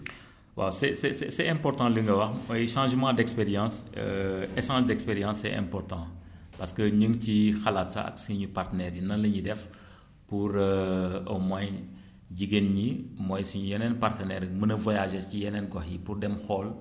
waaw c' est c' est important li nga wax may changement d' expérience échange expérience c' est important parce que ñu ngi siy xalaat sax ak suñuy partenaires nan la ñuy def pour au moins jigéen ñi mooy suñuy yeneen partenaires mën a voyagé ci yeneen gox yi pour dem xool